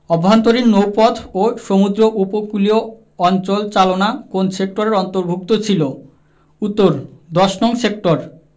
আভ্যন্তরীণ নৌপথ ও সমুদ্র উপকূলীয় অঞ্চল চালনা কোন সেক্টরের অন্তভু র্ক্ত ছিল উত্তরঃ ১০নং সেক্টরে